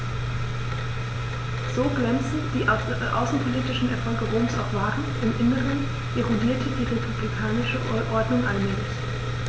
So glänzend die außenpolitischen Erfolge Roms auch waren: Im Inneren erodierte die republikanische Ordnung allmählich.